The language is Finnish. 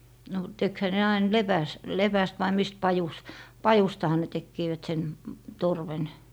no tekihän ne aina - lepästä vai mistä - pajustahan ne tekivät sen torven